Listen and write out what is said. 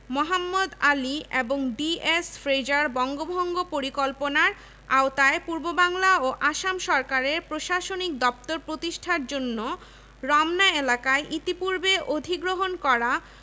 মোহাম্মদ আলী এবং D S. Fraser বঙ্গভঙ্গ পরিকল্পনার আওতায় পূর্ববাংলা ও আসাম সরকারের প্রশাসনিক দপ্তর প্রতিষ্ঠার জন্য রমনা এলাকায় ইতিপূর্বে অধিগ্রহণ করা